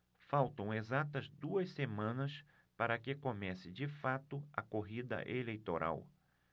faltam exatas duas semanas para que comece de fato a corrida eleitoral